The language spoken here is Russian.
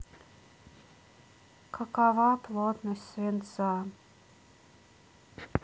какова плотность свинца